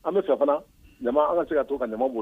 An bɛ sa fana ɲama an ka se ka to ka ɲa go